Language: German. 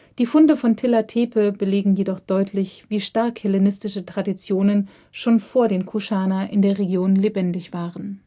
Die Funde von Tilla Tepe belegen jedoch deutlich wie stark hellenistische Traditionen schon vor den Kuschana in der Region lebendig waren